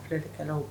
Filɛkɛlaw